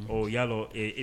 Ɔ ya dɔn, ee i